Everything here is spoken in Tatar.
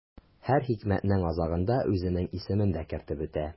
Һәр хикмәтнең азагында үзенең исемен дә кертеп үтә.